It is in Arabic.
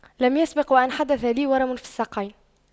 لم يسبق وان حدث لي ورم في الساقين